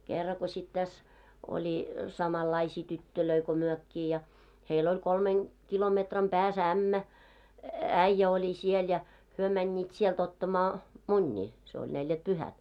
kerran kun sitten tässä oli samanlaisia tyttöjä kuin mekin ja heillä oli kolmen kilometrin päässä ämmä äijä oli siellä ja he menivät sieltä ottamaan munia se oli neljätpyhät